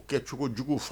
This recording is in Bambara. U kɛ cogojugu fana